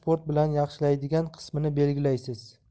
sport bilan yaxshilaydigan qismini belgilaysiz